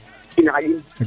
in xaƴin